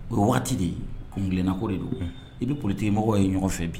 O ye wagati de ye kunnako de don i bɛ ptigi i mɔgɔ ye ɲɔgɔn fɛ bi